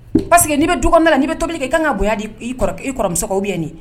Parceseke n'i bɛ dɔgɔn min n'i bɛ tobili k' ka kan ka diw bɛ yan nin